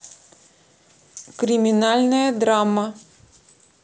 криминальная драма